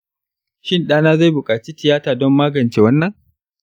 shin ɗana zai buƙaci tiyata don magance wannan?